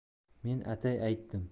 men atay aytdim